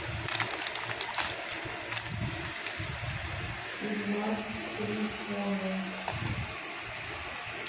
физмат трифонов